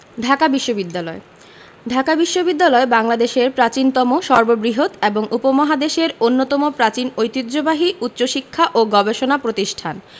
ঢাকা বিশ্ববিদ্যালয় ঢাকা বিশ্ববিদ্যালয় বাংলাদেশের প্রাচীনতম সর্ববৃহৎ এবং উপমহাদেশের অন্যতম প্রাচীন ঐতিহ্যবাহী উচ্চশিক্ষা ও গবেষণা প্রতিষ্ঠান